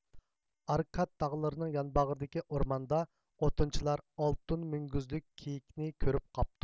ئاركاد تاغلىرىنىڭ يانباغرىدىكى ئورماندا ئوتۇنچىلار ئالتۇن مۈڭگۈزلۈك كېيىنكىنى كۆرۈپ قاپتۇ